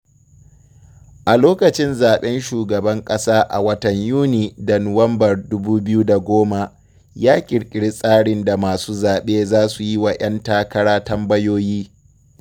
A lokacin zaɓen Shugaban ƙasa a watan Yuni da Nuwambar 2010, ya ƙirƙiri tsarin da masu zaɓe za su yi wa 'yan takara tambayoyi.